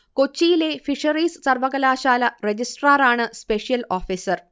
കൊച്ചിയിലെ ഫിഷറീസ് സർവകലാശാല രജിസ്ട്രാറാണ് സ്പെഷ്യൽ ഓഫീസർ